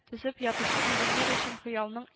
Төзеп ятучы инженер өчен хыялның